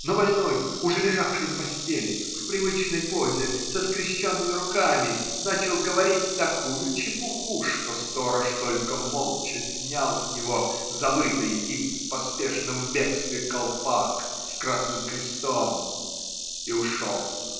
Но больной, уже лежавший на постели в привычной позе со скрещенными руками, начал говорить такую чепуху, что сторож только молча снял с него забытый им в поспешном бегстве колпак с красным крестом и ушел.